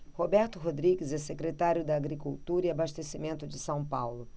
roberto rodrigues é secretário da agricultura e abastecimento de são paulo